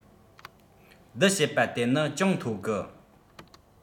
བསྡུ བྱེད པ དེ ནི ཅུང མཐོ གི